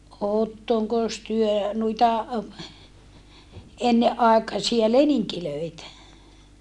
olettekos te noita ennen aikaisia leninkejä